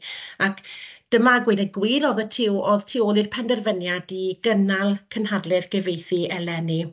Ac dyma a gweud y gwir, oedd y tu odd tu ôl i'r penderfyniad i gynnal cynhadledd gyfieithu eleni.